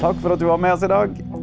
takk for at du var med oss i dag.